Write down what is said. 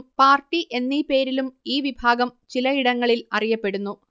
party എന്നീ പേരിലും ഈ വിഭാഗം ചിലയിടങ്ങളിൽ അറിയപ്പെടുന്നു